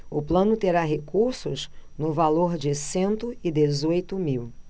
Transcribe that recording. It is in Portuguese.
o plano terá recursos no valor de cento e dezoito mil